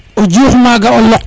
o juuxz maga o loq